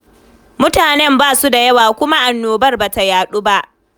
Mutanen ba su da yawa kuma annobar ba ta yaɗu ba.